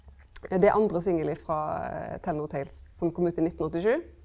det er andre singel ifrå Tell No Tales som kom ut i nittenåttisju.